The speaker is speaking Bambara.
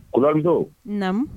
Kulibali muso, Naamu.